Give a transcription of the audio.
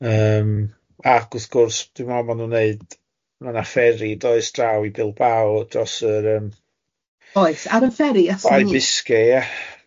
...yym ac wrth gwrs dwi'n meddwl ma' nhw'n wneud ma' na ferry does draw i Bilbao dros yr yym... Oes, ar y ferry aethon nhw. ... Ibiscay, ie.